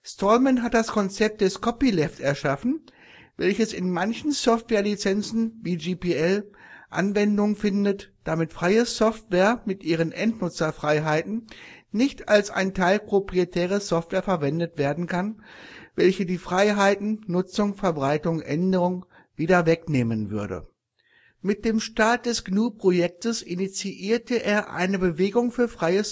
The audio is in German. Stallman hat das Konzept des Copyleft erschaffen, welches in manchen Software-Lizenzen (wie GPL) Anwendung findet, damit Freie Software (mit ihren Endnutzer-Freiheiten) nicht als ein Teil proprietärer Software verwendet werden kann, welche die Freiheiten (Nutzung, Verbreitung, Änderung) wieder wegnehmen würde. Mit dem Start des GNU-Projektes initiierte er eine Bewegung für Freie